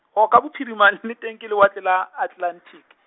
o ka bophirima le teng ke lewatle la Atlelantiki.